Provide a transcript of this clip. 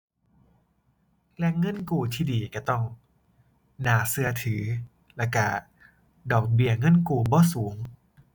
แหล่งเงินกู้ที่ดีก็ต้องหน้าก็ถือ แล้วก็ดอกเบี้ยเงินกู้บ่สูง